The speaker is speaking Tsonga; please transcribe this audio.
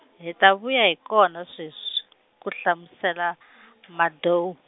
hi ta vuya hi kona sweswi, ku hlamusela , Madou.